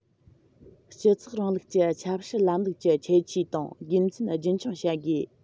སྤྱི ཚོགས རིང ལུགས ཀྱི ཆབ སྲིད ལམ ལུགས ཀྱི ཁྱད ཆོས དང དགེ མཚན རྒྱུན འཁྱོངས བྱ དགོས